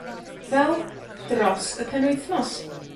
Fel dros y penwythnos.